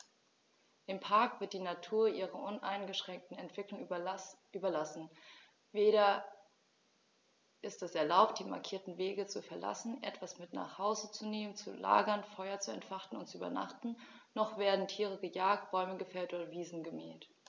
Im Park wird die Natur ihrer uneingeschränkten Entwicklung überlassen; weder ist es erlaubt, die markierten Wege zu verlassen, etwas mit nach Hause zu nehmen, zu lagern, Feuer zu entfachen und zu übernachten, noch werden Tiere gejagt, Bäume gefällt oder Wiesen gemäht.